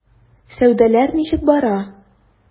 Сәүдәләр ничек бара?